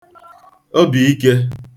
obì ikē